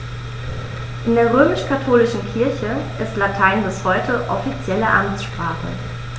In der römisch-katholischen Kirche ist Latein bis heute offizielle Amtssprache.